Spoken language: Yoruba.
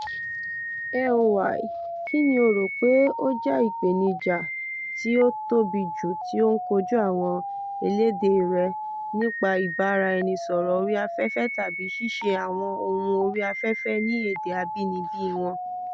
(AOY): Kínni o rò pé ó jẹ́ ìpèníjà tí ó tóbi jù tí ó ń kojú àwọn elédè rẹ nípa ìbáraẹnisọ̀rọ̀ orí afẹ́fẹ́ tàbí ṣíṣe àwọn ohun orí afẹ́fẹ́ ní èdè abínibí wọn?